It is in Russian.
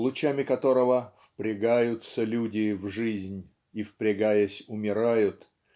лучами которого "впрягаются люди в жизнь и впрягаясь умирают"